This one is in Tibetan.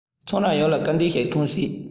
ཚོང རྭ ཡོངས ལ སྐུལ འདེད ཞིག ཐོན སྲིད